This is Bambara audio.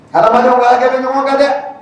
Adama ni ɲɔgɔn kan dɛ